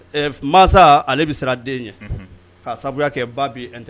Ɛɛ, mansa ale bɛ siran den ɲɛ, unhun, ka sabuya kɛ ba bi inte